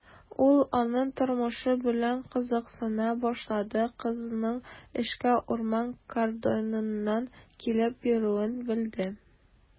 Ул аның тормышы белән кызыксына башлады, кызның эшкә урман кордоныннан килеп йөрүен белде.